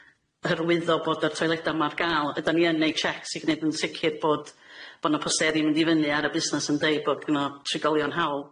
hyrwyddo bod y toileda 'ma ar ga'l. 'Ydan ni yn neud checks i gneud yn sicir bod bo' 'na posteri mynd i fyny ar y busnas yn deud bod gynno trigolion hawl